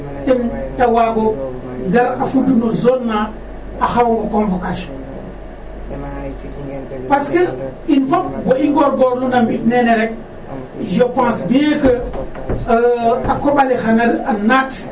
Ten ta waag o gar a fudu no zone na a xaw o convocation parce que in fop bo i ngoorngoorluna mbi' nene rek je pense bien que a koƥ ale xana naat.